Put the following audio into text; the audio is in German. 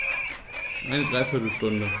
Eine dreiviertel Stunde